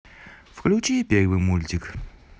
включи первый мультик